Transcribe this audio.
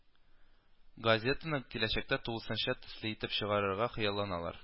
Газетаны киләчәктә тулысынча төсле итеп чыгарырга хыялланалар